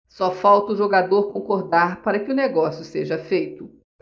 só falta o jogador concordar para que o negócio seja feito